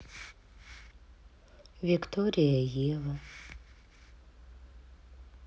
виктория ева